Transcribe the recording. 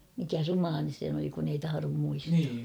mikä rumainen se nyt oli kun ei tahdo muistaa